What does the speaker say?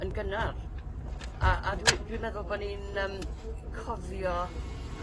yn gynnar a a dwi dwi meddwl bo' ni'n yym cofio